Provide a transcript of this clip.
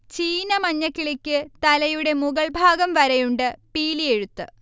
ചീന മഞ്ഞക്കിളിക്ക് തലയുടെ മുകൾഭാഗം വരെയുണ്ട് പീലിയെഴുത്ത്